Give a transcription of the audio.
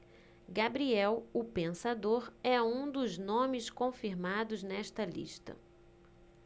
gabriel o pensador é um dos nomes confirmados nesta lista